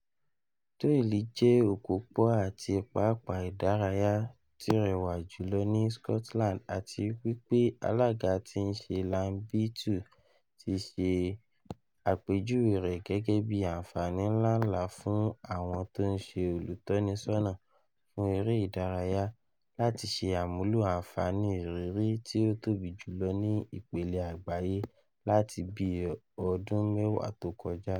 Doyle jẹ òpòpò ati pápàá idáráyá ti réwá júlọ no ilú Scotland ati wipe alaga ti nse lan Beattie ti se apejuwé rẹ gẹgẹ bi anfaani ńla ńlá fun awọn ton se olutọni sọna fun èrè daraya lati se amulo anfaani iriri ti o tobi julọ ni Ipele agbaye lati bi ọdin mẹwa to koja.